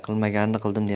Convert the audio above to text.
qilmaganni qildim dema